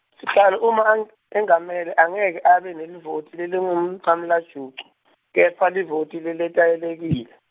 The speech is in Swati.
sihlalo uma ang-, engamele angeke abe nelivoti lelingumncamlajucu , kepha livoti leletayelekile.